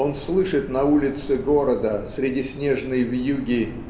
он слышит на улице города среди снежной вьюги